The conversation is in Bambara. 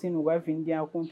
Sini u b'a f di kun